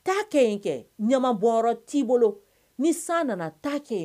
Ta kɛ in kɛ ɲamabɔ t'i bolo ni san nana taa kɛ